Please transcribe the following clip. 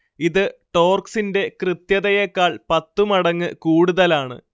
ഇത് ടോർക്സിന്റെ കൃത്യതയേക്കാൾ പത്തു മടങ്ങ് കൂടുതലാണ്